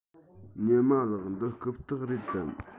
ཉི མ ལགས འདི རྐུབ སྟེགས རེད དམ